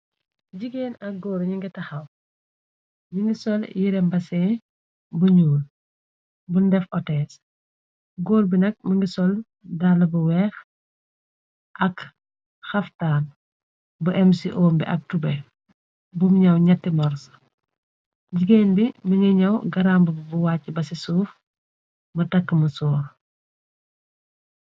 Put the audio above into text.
Jigéen ak góor ñi ngi taxaw , mingi sol yire mbase bu ñuul bu def otees, góor bi nak mi ngi sol dala bu weex ak xaftaan, bu m ombi ak tube bum ñaw ñetti mors . Jigeen bi mi ngi ñaw garambb bu wàcc base suuf, më takk mu soor.